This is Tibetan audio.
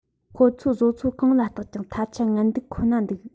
ཁོ ཚོའི བཟོ ཆོ གང ལ བརྟགས ཀྱང ཐ ཆད ངན སྡུག ཁོ ན འདུག